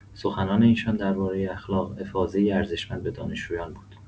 سخنان ایشان درباره اخلاق، افاضه‌ای ارزشمند به دانشجویان بود.